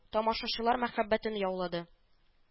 Тамашачылар мәхәббәтен яулады